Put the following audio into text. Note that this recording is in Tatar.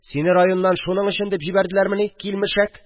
Сине районнан шуның өчен дип җибәрделәрмени, килмешәк